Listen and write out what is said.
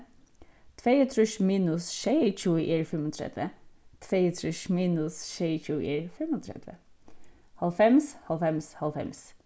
tveyogtrýss minus sjeyogtjúgu er fimmogtretivu tveyogtrýss minus sjeyogtjúgu er fimmogtretivu hálvfems hálvfems hálvfems